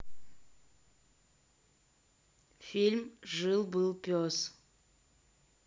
фильм жил был пес